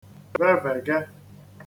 vevège